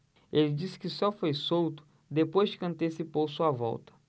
ele disse que só foi solto depois que antecipou sua volta